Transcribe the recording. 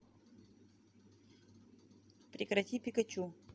прекрати пикачу